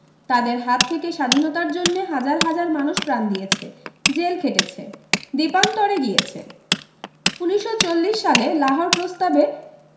তাদের হাত থেকে স্বাধীনতার জন্যে হাজার হাজার মানুষ প্রাণ দিয়েছে জেল খেটেছে দ্বীপান্তরে গিয়েছে ১৯৪০ সালে লাহোর প্রস্তাব এ